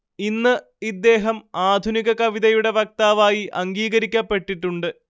ഇന്ന് ഇദ്ദേഹം ആധുനിക കവിതയുടെ വക്താവായി അംഗീകരിക്കപ്പെട്ടിട്ടുണ്ട്